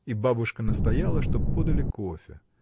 И бабушка настояла, чтоб подали кофе.